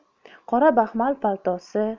qora baxmal paltosi